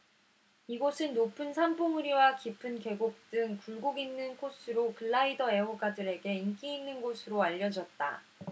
이곳은 높은 산봉우리와 깊은 계곡 등 굴곡 있는 코스로 글라이더 애호가들에게 인기 있는 곳으로 알려졌다